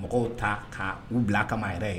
Mɔgɔw ta ka u bila a kama yɛrɛ ye